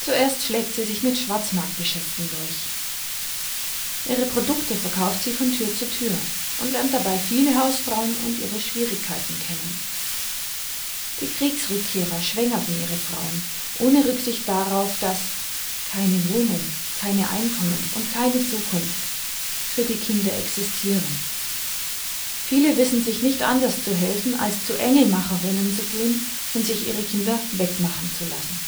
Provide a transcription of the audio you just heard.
Erst schlägt sie sich mit Schwarzmarktgeschäften durch. Ihre Produkte verkauft sie von Tür zu Tür und lernt dabei viele Hausfrauen und ihre Schwierigkeiten kennen: Die Kriegsrückkehrer schwängerten ihre Frauen, ohne Rücksicht darauf, dass " keine Wohnung, keine Einkommen und keine Zukunft " für die Kinder existieren. Viele wissen sich nicht anders zu helfen, als zu Engelmacherinnen zu gehen und sich ihre Kinder " wegmachen " zu lassen